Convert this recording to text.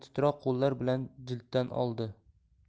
titroq qo'llar bilan jilddan oldi